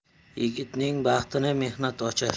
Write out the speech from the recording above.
yigitning baxtini mehnat ochar